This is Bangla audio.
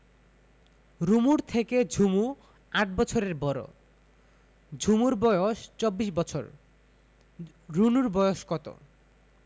রুমুর থেকে ঝুমু ৮ বছরের বড় ঝুমুর বয়স ২৪ বছর রুমুর বয়স কত